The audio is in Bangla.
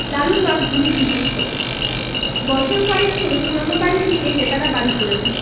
লালুর বাপ ধনী গৃহস্থ বছর কয়েক হলো পুরানো বাড়ি ভেঙ্গে তেতলা বাড়ি করেছেন